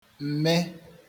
mmee